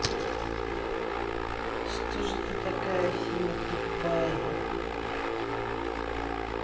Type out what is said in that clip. что же ты такая афина тупая